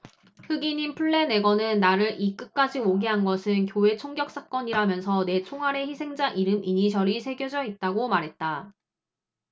흑인인 플래내건은 나를 이 끝까지 오게 한 것은 교회 총격사건이라면서 내 총알에 희생자 이름 이니셜이 새겨져 있다고 말했다